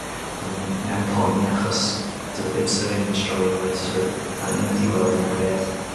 O'n i'n mewn poen achos do'dd dim syringe driver so, a o'n i methu gweld unrhyw beth